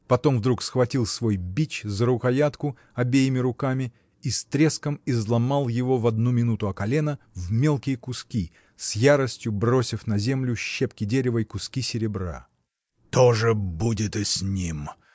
Потом вдруг схватил свой бич за рукоятку обеими руками и с треском изломал его в одну минуту о колено в мелкие куски, с яростью бросив на землю щепки дерева и куски серебра. — То же будет и с ним!